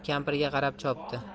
yig'ib kampirga qarab chopdi